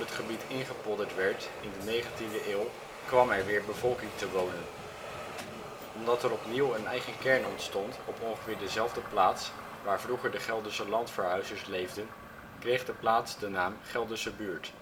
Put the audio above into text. gebied ingepolderd werd in de 19e eeuw kwam er weer bevolking te wonen. Omdat er opnieuw een eigen kern ontstond op ongeveer dezelfde plaats waar vroeger de Gelderse landverhuizers leefden kreeg de plaats de naam Gelderse Buurt